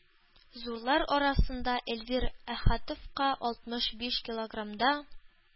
Зурлар арасында Эльвир Әхәтовка алтмыш биш килограммда